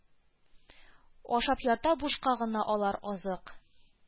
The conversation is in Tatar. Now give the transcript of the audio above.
Ашап ята бушка гына алар азык».